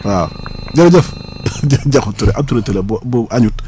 waaw jërëjëf Diakhou Touré ab Touré Touré bo bu ayut